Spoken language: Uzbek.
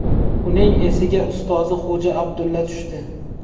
uning esiga ustozi xo'ja abdulla tushdi